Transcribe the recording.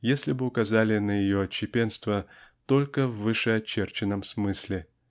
если бы указали на ее отщепенство только в вышеочерченном смысле.